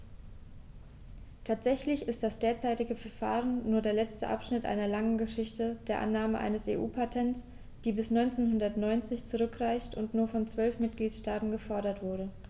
Tatsächlich ist das derzeitige Verfahren nur der letzte Abschnitt einer langen Geschichte der Annahme eines EU-Patents, die bis 1990 zurückreicht und nur von zwölf Mitgliedstaaten gefordert wurde.